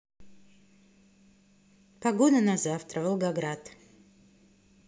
погода на завтра волгоград